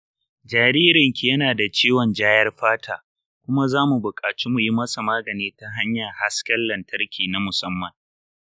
jaririnki yana da ciwon jayar fata kuma za mu buƙaci mu yi masa magani ta hanyar hasken lantarki na musamman